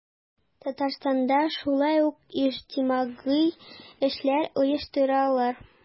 Татарстанда шулай ук иҗтимагый эшләр оештыралар.